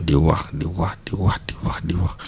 di wax di wax di wax di wax di wax di wax